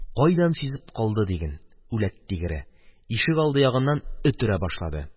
Кайдан сизеп калды диген, үләт тигере, ишегалды ягыннан эт өрә башлады.